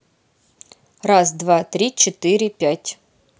раз два три четыре пять